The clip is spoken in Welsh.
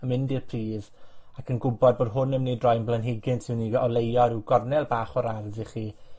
yn mynd i'r pridd, ac yn gwbod bod hwn yn mynd i droi'n blanhigyn sy myn' i oleuo ryw gornel bach o'r ardd i chi